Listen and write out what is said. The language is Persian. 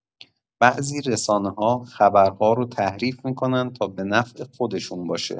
بعضی رسانه‌ها خبرها رو تحریف می‌کنن تا به نفع خودشون باشه.